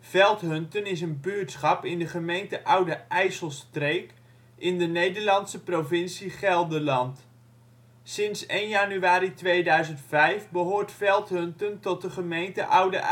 Veldhunten is een buurtschap in de gemeente Oude IJsselstreek in de Nederlandse provincie Gelderland. Sinds 1 januari 2005 behoort Veldhunten tot de gemeente Oude